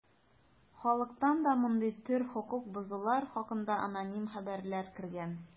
Халыктан да мондый төр хокук бозулар хакында аноним хәбәрләр кергән.